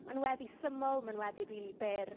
Mae'n weddi syml, mae'n weddi rili byr.